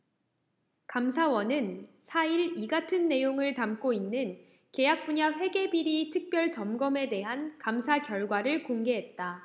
감사원은 사 일 이 같은 내용을 담고 있는 계약 분야 회계비리 특별점검에 대한 감사 결과를 공개했다